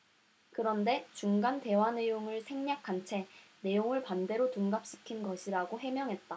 그런데 중간 대화 내용을 생략한 채 내용을 반대로 둔갑시킨 것이라고 해명했다